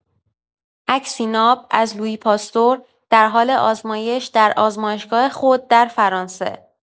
عکسی ناب از لویی پاستور در حال آزمایش در آزمایشگاه خود در فرانسه.